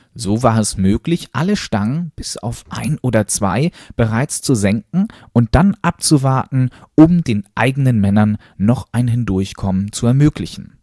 So war es möglich, alle Stangen bis auf ein oder zwei bereits zu senken und dann abzuwarten, um den eigenen Männern noch ein Hindurchkommen zu ermöglichen